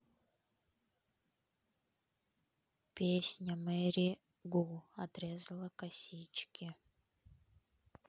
песня mary gu отрезала косички